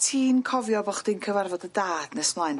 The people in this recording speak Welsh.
Ti'n cofio bo' chdi'n cyfarfod dy dad nes mlaen dwyt?